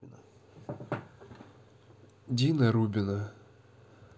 дина рубина